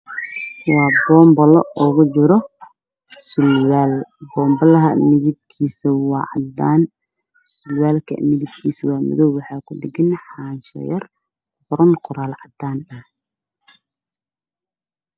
Waa bambal cadaan waxaa ku jira surwaal madow darbiga waa caddaan